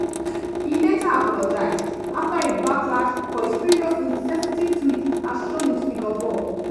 He later apologized, after a backlash, for his previous "insensitive" tweet as shown in Figure 4.